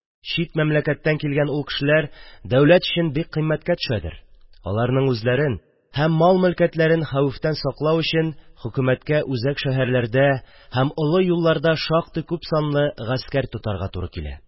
Чит мәмләкәттән килгән ул кешеләр дәүләт өчен бик кыйммәткә төшәдер: аларның үзләрен һәм мал-мөлкәтләрен хәвефтән саклау өчен хөкүмәткә үзәк шәһәрләрдә һәм олы юлларда шактый күпсанлы гаскәр тотарга туры килә.